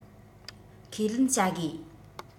ཁས ལེན བྱ དགོས